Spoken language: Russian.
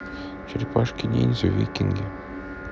черепашки ниндзя викинги